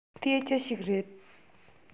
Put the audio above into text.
དེ ཅི ཞིག རེད